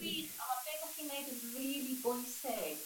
...gwych a ma' be' 'dach chi'n neud yn rili bwysig